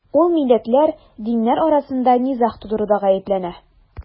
Ул милләтләр, диннәр арасында низаг тудыруда гаепләнә.